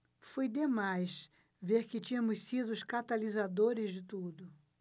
foi demais ver que tínhamos sido os catalisadores de tudo